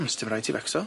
Hmm, sdim raid ti fecso.